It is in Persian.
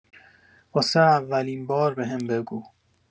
واسه اولین بار بهم بگو